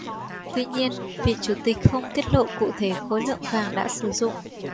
tuy nhiên vị chủ tịch không tiết lộ cụ thể khối lượng vàng đã sử dụng